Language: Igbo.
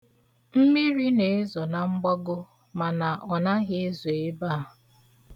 Mmiri na-azo na mgbago mana ọ naghị ezo ebe a.